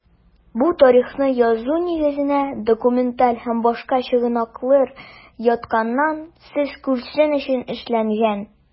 Бу тарихны язу нигезенә документаль һәм башка чыгынаклыр ятканын сез күрсен өчен эшләнгән.